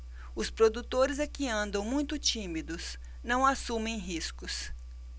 os produtores é que andam muito tímidos não assumem riscos